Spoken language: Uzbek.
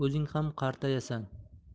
o'zing ham qartayasan